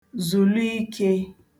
-zùlụ ikē